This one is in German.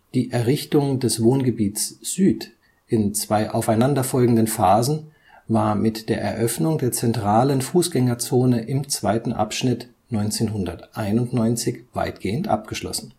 Die Errichtung des Wohngebiets Süd in zwei aufeinanderfolgenden Phasen war mit der Eröffnung der zentralen Fußgängerzone im zweiten Abschnitt 1991 weitgehend abgeschlossen